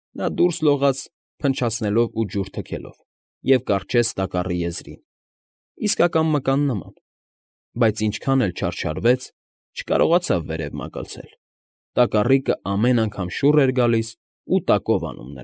Նա դուրս լողաց, փնչացնելով ու ջուր թքելով, և կառչեց տակառի եզրին, իսկական մկան նման, բայց ինչքան չարչարվեց՝ չկարողացավ վերև մագլցել. տակառիկը ամեն անգամ շուռ էր գալիս ու տակով անում։